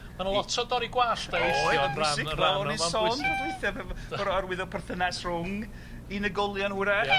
Ma' 'na lot o dorri gwallt a eillio yn ran yn ran bod o arwydd o perthynas rhwng unigolion wyrach. Ia.